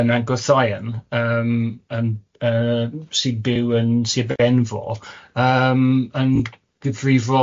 yn Nant Gwrtheyrn yym yn yy, sy'n byw yn Sir Benfro yym yn g- gyfrifol